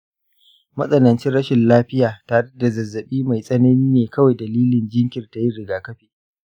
matsanancin rashin lafiya tare da zazzabi mai tsanani ne kawai dalilin jinkirta yin rigakafi.